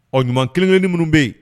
Ɔ ɲuman kelenkɛ ni minnu bɛ yen